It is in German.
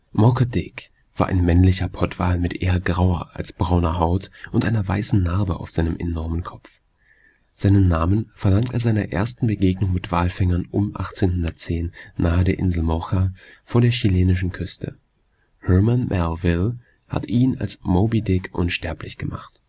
Mocha Dick war ein männlicher Pottwal mit eher grauer als brauner Haut und einer weißen Narbe auf seinem enormen Kopf. Seinen Namen verdankt er seiner ersten Begegnung mit Walfängern um 1810 nahe der Insel Mocha vor der chilenischen Küste. Herman Melville hat ihn als Moby Dick unsterblich gemacht